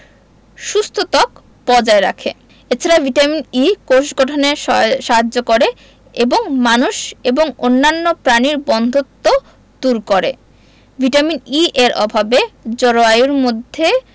সুস্থ ত্বক বজায় রাখে এ ছাড়া ভিটামিন E কোষ গঠনে সহা সাহায্য করে এবং মানুষ এবং অন্যান্য প্রাণীর বন্ধ্যাত্ব দূর করে ভিটামিন E এর অভাবে জরোআয়ুর মধ্যে